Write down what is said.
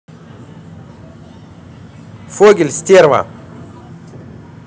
фогель стерва